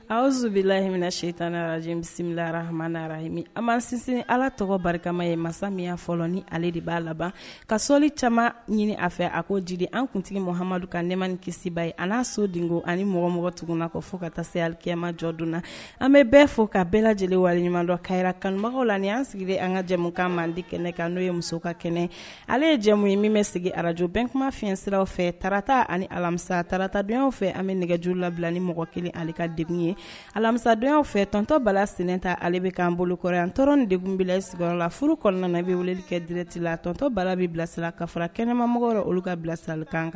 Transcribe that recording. Aw zbi lahiyiiniina seetan araj bisimilara hama nara yemi a ma sinsin ala tɔgɔ barikama ye masa minya fɔ ni ale de b'a labanban ka sɔli caman ɲini a fɛ a ko jiri an tuntigi mahamadu ka nemani kisiba ye a n'a sodenko ani mɔgɔ mɔgɔ tugun na ko fɔ ka taa se alekɛmajɔ dun na an bɛ bɛɛ fɔ ka bɛɛ lajɛlen waleɲumandɔ kara kanbagaw la ni an sigilen an ka jɛmukan ma di kɛnɛ kan n'o ye muso ka kɛnɛ ale ye jɛ ye min bɛ sigi arajo bɛnkuma fi siraraw fɛ tarata ani alamisa taratadenw fɛ an bɛ nɛgɛjuru labila ni mɔgɔ kelen ale ka de ye alamisadon fɛ tɔntɔnba sen ta ale bɛ k anan bolokɔrɔ an tɔw in deg bila sigiyɔrɔ la furu kɔnɔna bɛ weleli kɛ dɛrɛti la tɔntɔnba bɛ bilasira ka fara kɛnɛmamɔgɔ la olu ka bilasirali kan kan